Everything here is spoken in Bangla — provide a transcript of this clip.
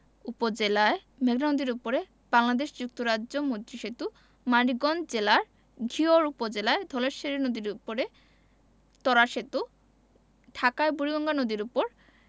উপজেলায় মেঘনা নদীর উপর বাংলাদেশ যুক্তরাজ্য মৈত্রী সেতু মানিকগঞ্জ জেলার ঘিওর উপজেলায় ধলেশ্বরী নদীর উপর ত্বরা সেতু ঢাকায় বুড়িগঙ্গা নদীর উপর